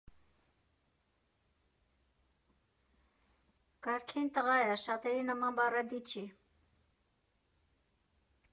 Կարգին տղա ա, շատերի նման բառադի չի։